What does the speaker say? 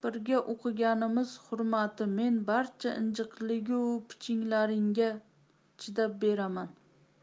birga o'qiganimiz hurmati men barcha injiqligu pichinglaringga chidab beraman